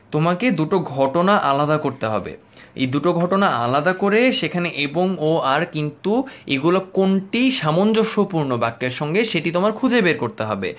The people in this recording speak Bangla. তোমাকে দুইটা ঘটনা আলাদা করতে হবে এই দুটো ঘটনা আলাদা করে সেখানে এবং ও আর কিন্তু এগুলো কোনটি সামঞ্জস্যপূর্ণ বাক্যের সঙ্গে সেটি তোমার খুঁজে বের করতে হবে